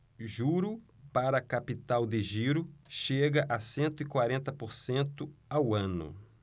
juro para capital de giro chega a cento e quarenta por cento ao ano